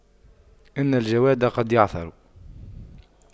إن الجواد قد يعثر